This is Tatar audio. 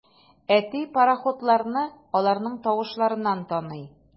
Әти пароходларны аларның тавышларыннан таный.